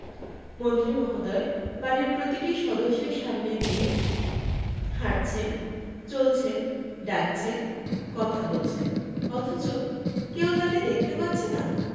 মন্ত্রী মহোদয় বাড়ির প্রতিটি সদস্যের সামনে দিয়ে হাঁটছেন চলছেন ডাকছেন কথা বলছেন অথচ কেউ তাঁকে দেখতে পাচ্ছে না